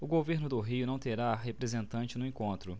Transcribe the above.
o governo do rio não terá representante no encontro